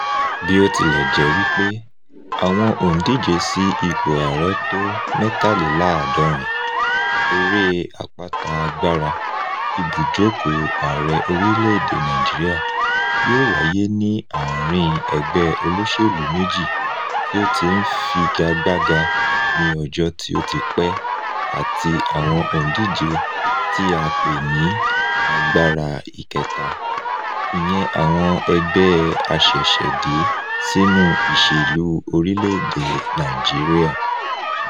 Bí-ó-ti-lẹ̀-jẹ́-wípé àwọn òǹdíje sí ipò ààrẹ t'ó 73, eré Àpáta Agbára – ibùjókòó ààrẹ orílẹ̀-èdè Nàìjíríà – yóò wáyé ní àárín-in ẹgbẹ́ olóṣèlú méjì tí ó ti ń figagbága ní ọjọ́ tí ó ti pẹ́ àti àwọn òǹdíje tí a pè ní "agbára ìkẹta", ìyẹn àwọn ẹgbẹ́ a ṣẹ̀ṣẹ̀ dé sínú ìṣèlú orílẹ̀-èdè Nàìjíríà.